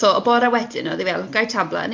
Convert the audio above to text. So y bore wedyn oedd hi fel, gai tablet?